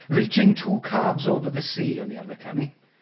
Reaching two calves over the sea, o'n i'n arfer canu.